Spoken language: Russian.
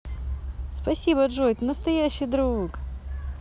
спасибо джой ты настоящий друг